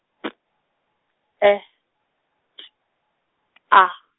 P, E, T, A.